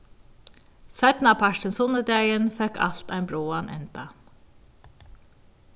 seinnapartin sunnudagin fekk alt ein bráðan enda